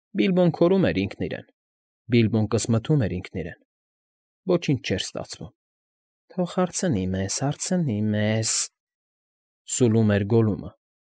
Բիլբոն քորում էր ինքն իրեն, Բիլբոն կսմթում էր ինքն իրեն, ոչինչ չէր ստացվում։ ֊ Թ֊թ֊թող հարցնի մեզ֊զ֊զ, հարցնի մեզ֊զ֊զ,֊ սուլում էր Գոլլումը։